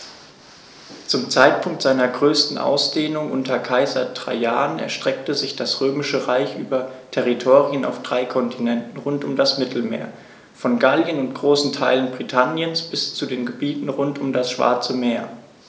Zum Zeitpunkt seiner größten Ausdehnung unter Kaiser Trajan erstreckte sich das Römische Reich über Territorien auf drei Kontinenten rund um das Mittelmeer: Von Gallien und großen Teilen Britanniens bis zu den Gebieten rund um das Schwarze Meer.